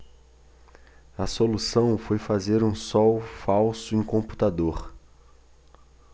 a solução foi fazer um sol falso em computador